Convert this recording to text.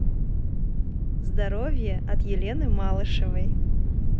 здоровье от елены малышевой